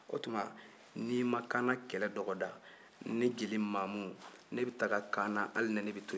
o tuma n'i ma kaana kɛlɛ dɔgɔda ne jeli mamu ne bɛ taa kaana hali ni ne bɛ to yen